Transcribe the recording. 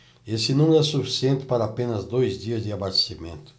esse número é suficiente para apenas dois dias de abastecimento